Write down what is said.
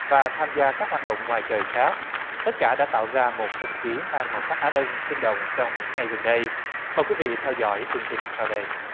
và tham gia các hoạt động ngoài trời khác tất cả đã tạo ra một không khí mang màu sắc á đông sinh động trong những ngày gần đây mời quý vị theo dõi tường trình sau đây